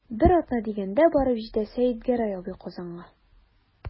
Бер атна дигәндә барып җитә Сәетгәрәй абый Казанга.